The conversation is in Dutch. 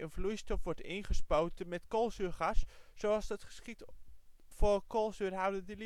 vloeistof wordt ' ingespoten ' met koolzuurgas zoals dat geschiedt voor koolzuurhoudende